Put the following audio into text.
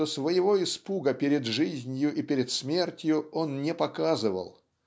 что своего испуга перед жизнью и перед смертью он не показывал.